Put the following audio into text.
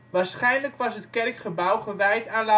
Waarschijnlijk was het kerkgebouw gewijd aan